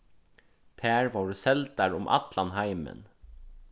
tær vóru seldar um allan heimin